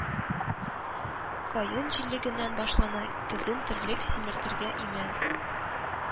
Каен җиләгеннән башлана, көзен терлек симертергә имән